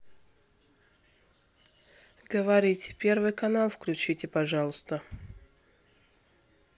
говорите первый канал включите пожалуйста